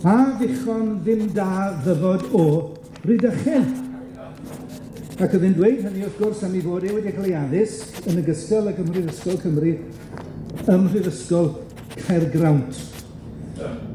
A ddechon ddim da ddyfod o Rhydychen, ac o'dd e'n dweud hynny wrth gwrs am 'i fod e wedi ca'l 'i addysg yn ogystal â Cymru'r Ysgol Cymru ym Mhrifysgol Caergrawnt.